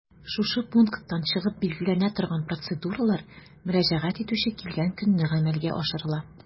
Шушы пункттан чыгып билгеләнә торган процедуралар мөрәҗәгать итүче килгән көнне гамәлгә ашырыла.